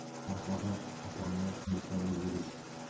tarix odam atomdan zerikarli yurish